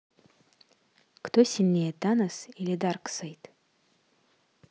кто сильнее танос или дарксайд